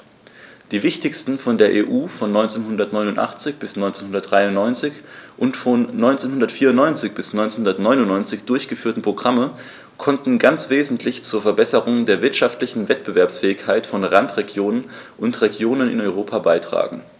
Die wichtigsten von der EU von 1989 bis 1993 und von 1994 bis 1999 durchgeführten Programme konnten ganz wesentlich zur Verbesserung der wirtschaftlichen Wettbewerbsfähigkeit von Randregionen und Regionen in Europa beitragen.